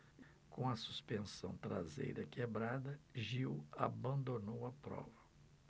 com a suspensão traseira quebrada gil abandonou a prova